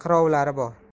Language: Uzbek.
suyunma qirovlari bor